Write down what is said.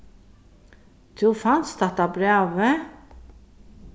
tú fanst hatta brævið